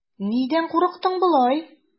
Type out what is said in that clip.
Нидән курыктың болай?